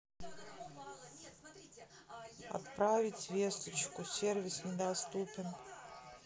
отправить весточку сервис недоступен